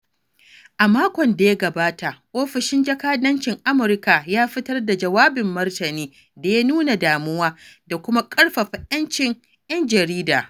A makon da ya gabata, Ofishin Jakadancin Amurka ya fitar da jawabin martani da ya nuna damuwa da kuma ƙarfafa 'yancin 'yan jarida.